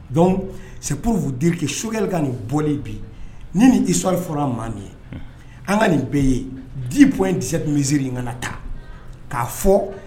Dɔnku se'u denke sokɛli ka nin bɔlen bi ni ni isɔri fɔra maa min ye an ka nin bɛɛ ye di bɔ disa minisiriri in kana taa k'a fɔ